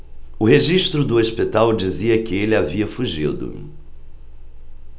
o registro do hospital dizia que ele havia fugido